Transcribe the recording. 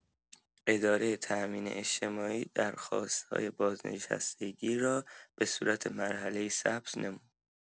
اداره تأمین‌اجتماعی درخواست‌های بازنشستگی را به‌صورت مرحله‌ای ثبت نمود.